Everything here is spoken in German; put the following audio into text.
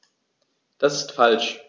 Das ist falsch.